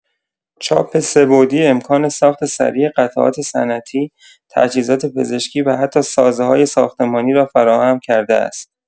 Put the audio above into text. چاپ سه‌بعدی امکان ساخت سریع قطعات صنعتی، تجهیزات پزشکی و حتی سازه‌های ساختمانی را فراهم کرده است.